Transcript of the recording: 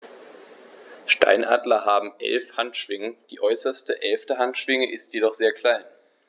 Steinadler haben 11 Handschwingen, die äußerste (11.) Handschwinge ist jedoch sehr klein.